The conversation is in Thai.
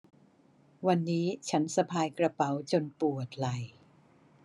วันนี้ฉันสะพายกระเป๋าจนปวดไหล่